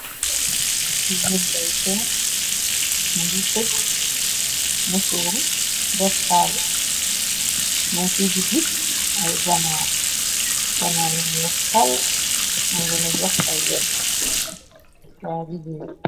Ci gëntay feer mu ngi sëg mësuuru defkaal mun ci diggi ay nganar yu niex xaw mu ngena jox ay lef twa gigéer.